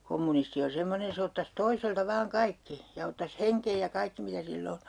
kommunisti on semmoinen se ottaisi toiselta vain kaikki ja ottaisi hengen ja kaikki mitä sillä on